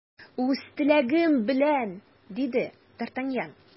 Үз теләгем белән! - диде д’Артаньян.